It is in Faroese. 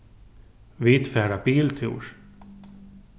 vit fara biltúr